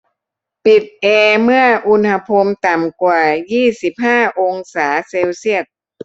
ปิดแอร์เมื่ออุณหภูมิต่ำกว่ายี่สิบห้าองศาเซลเซียส